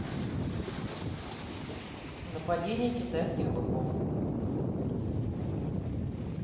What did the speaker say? нападение китайских быков